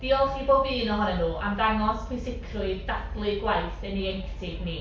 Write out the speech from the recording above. Diolch i bob un ohonyn nhw am ddangos pwysigrwydd dathlu gwaith ein ieuenctid ni.